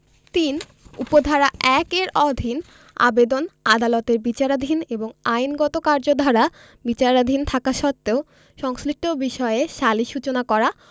৩ উপ ধারা ১ এর অধীন আবেদন আদালতের বিবেচনাধীন এবং আইনগত কার্যধারা বিচারাধীন থাকা সত্ত্বেও সংশ্লিষ্ট বিষয়ে সালিস সূচনা করা